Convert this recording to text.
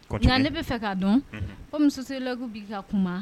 Nka ne bɛ fɛ ka don ko musosen ki b'i ka kuma